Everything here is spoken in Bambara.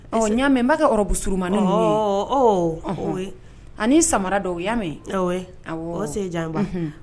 Ɔ ɲamɛ' kɛ yɔrɔ busuru ma ani samara dɔw o ya mɛ a sen ja